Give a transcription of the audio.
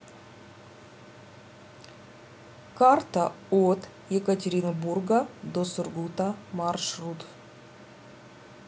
карта от екатеринбурга до сургута маршрут